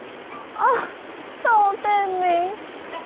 ơ tò te tí